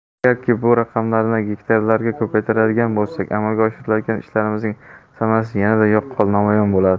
agarki bu raqamlarni gektarlarga ko'paytiradigan bo'lsak amalga oshirgan ishlarimizning samarasi yanada yaqqol namoyon bo'ladi